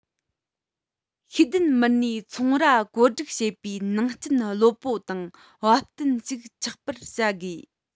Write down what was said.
ཤེས ལྡན མི སྣའི ཚོང ར བགོ སྒྲིག བྱེད པའི ནང རྐྱེན ལྷོད པོ དང བབ བསྟུན ཞིག ཆགས པར བྱ དགོས